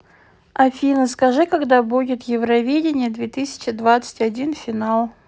афина скажи когда будет евровидение две тысячи двадцать один финал